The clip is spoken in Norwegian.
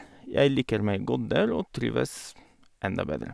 Jeg liker meg godt der, og trives enda bedre.